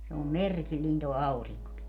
se on merkillinen tuo aurinkokin